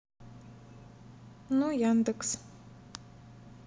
ну яндекс